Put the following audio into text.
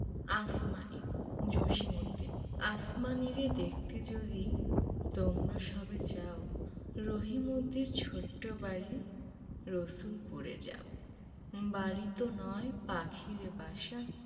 আসমানী জসিমউদ্দিন আসমানীরে দেখতে যদি তোমরা সবে চাও রহিমদ্দির ছোট্ট বাড়ি রসুলপুরে যাও বাড়িতো নয় পাখির বাসা